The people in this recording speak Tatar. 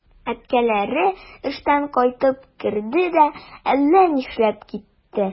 Әткәләре эштән кайтып керде дә әллә нишләп китте.